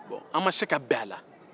bɔn an ma se ka bɛn a la